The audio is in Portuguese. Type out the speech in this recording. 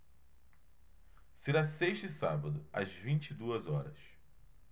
será sexta e sábado às vinte e duas horas